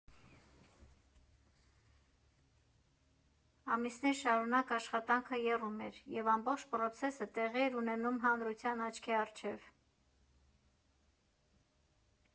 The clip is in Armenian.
Ամիսներ շարունակ աշխատանքը եռում էր, և ամբողջ պրոցեսը տեղի էր ունենում հանրության աչքի առջև։